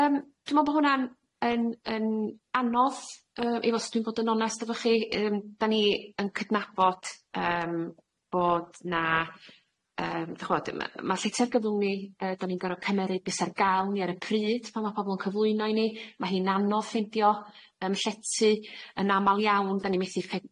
Yym dwi me'wl bo hwnna'n yn yn anodd yy i- os dwi'n bod yn onast efo chi yym 'da ni yn cydnabod yym bod 'na yym da' ch' 'mod ma' ma' llety argyfwng ni yy 'da ni'n gor'o' cymeru be sy ar ga'l i ni ar y pryd pan ma' pobol yn cyflwyno i ni ma' hi'n anodd ffindio yym llety yn amal iawn 'dan ni methu ffe-